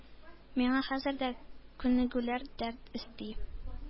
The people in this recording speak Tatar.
Миңа хәзер дә күнегүләр дәрт өсти,